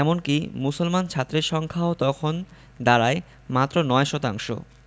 এমনকি মুসলমান ছাত্রের সংখ্যাও তখন দাঁড়ায় মাত্র ৯ শতাংশ